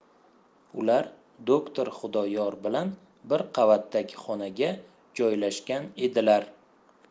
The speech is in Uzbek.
ular doktor xudoyor bilan bir qavatdagi xonaga joylashgan edilar